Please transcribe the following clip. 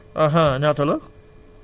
ñaata la